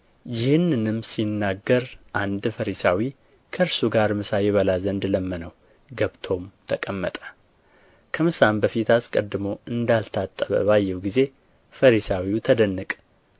ይህንንም ሲናገር አንድ ፈሪሳዊ ከእርሱ ጋር ምሳ ይበላ ዘንድ ለመነው ገብቶም ተቀመጠ ከምሳም በፊት አስቀድሞ እንዳልታጠበ ባየው ጊዜ ፈሪሳዊው ተደነቀ